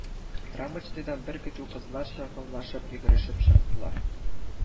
Рамочныйдан бер көтү кызлар чыркылдашып, йөгерешеп чыктылар